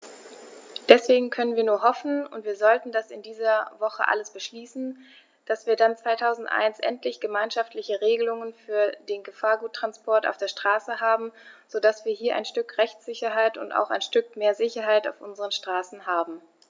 Deswegen können wir nur hoffen - und wir sollten das in dieser Woche alles beschließen -, dass wir dann 2001 endlich gemeinschaftliche Regelungen für den Gefahrguttransport auf der Straße haben, so dass wir hier ein Stück Rechtssicherheit und auch ein Stück mehr Sicherheit auf unseren Straßen haben.